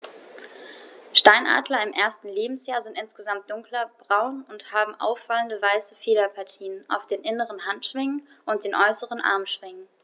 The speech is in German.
Steinadler im ersten Lebensjahr sind insgesamt dunkler braun und haben auffallende, weiße Federpartien auf den inneren Handschwingen und den äußeren Armschwingen.